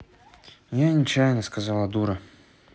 я нечаянно сказала дура